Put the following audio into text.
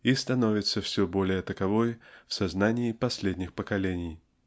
и становится все более таковой в сознании последних поколений.